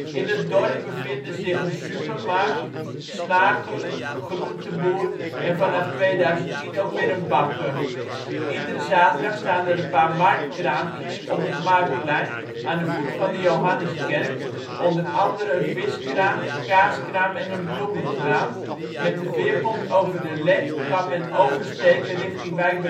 In het dorp bevinden zich een supermarkt, slager, groenteboer en vanaf 2010 ook weer een bakker. Iedere zaterdag staan er een paar marktkraampjes op het marktplein aan de voet van de Johanneskerk, onder andere een viskraam, kaaskraam en een bloemenkraam. Met de veerpont over de Lek kan men oversteken richting Wijk